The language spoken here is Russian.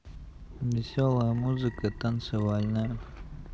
веселая музыка танцевальная